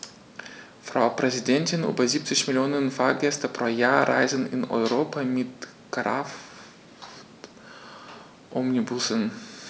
Frau Präsidentin, über 70 Millionen Fahrgäste pro Jahr reisen in Europa mit Kraftomnibussen.